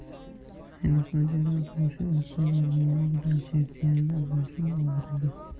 ayniqsa jo'raboshi o'rta barmog'i bilan chertganda boshim og'ridi